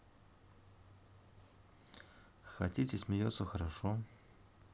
хотите смеется хорошо